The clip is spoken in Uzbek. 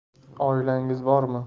oilangiz bormi